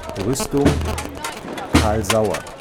Rüstung: Karl Saur